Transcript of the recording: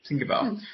Ti'n gwbo?